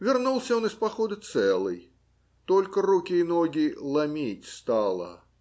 Вернулся он из похода целый, только руки и ноги ломить стало.